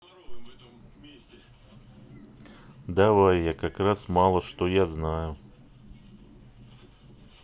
давай я как раз мало что я знаю